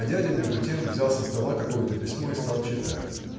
а дядя между тем взял со стола какое-то письмо и стал читать.